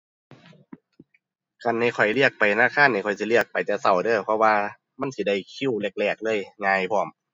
คันให้ข้อยเลือกไปธนาคารนี่ข้อยสิเลือกไปแต่เช้าเด้อ เพราะว่ามันสิได้คิวแรกแรกเลย ง่ายพร้อม